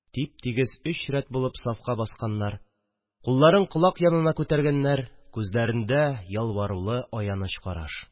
Тип-тигез өч рәт булып сафка басканнар, кулларын колак янына күтәргәннәр, күзләрендә – ялварулы аяныч караш